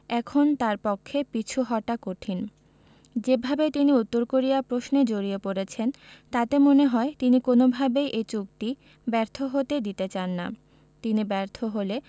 এখন তাঁর পক্ষে পিছু হটা কঠিন যেভাবে তিনি উত্তর কোরিয়া প্রশ্নে জড়িয়ে পড়েছেন তাতে মনে হয় তিনি কোনোভাবেই এই চুক্তি ব্যর্থ হতে দিতে চান না তিনি ব্যর্থ হলে